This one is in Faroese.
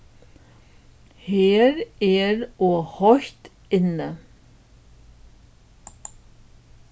her er ov heitt inni